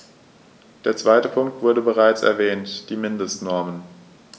Der zweite Punkt wurde bereits erwähnt: die Mindestnormen.